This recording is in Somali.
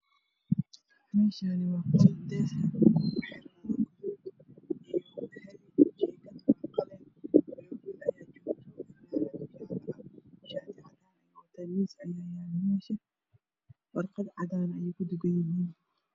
Meeshaan waa qol daaha kuxiran waa gaduud iyo dahabi. Jiingadu waa qalin wiilal ayaa joogo shaati cadaan ah ayay wataan waxaa horyaala miis. Warqad cadaan ah ayay ku fooraraan yihiin.